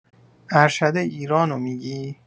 ارشد ایرانو می‌گی؟